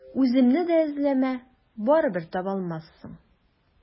Үземне дә эзләмә, барыбер таба алмассың.